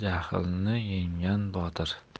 jahlni yenggan botir